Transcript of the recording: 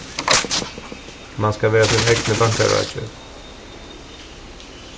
mann skal vera sín egni bankaráðgevi